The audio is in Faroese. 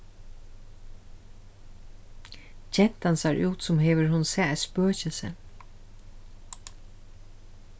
gentan sær út sum hevur hon sæð eitt spøkilsi